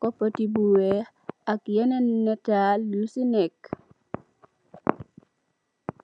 cupate bu weex ak yenen natal yuse neke.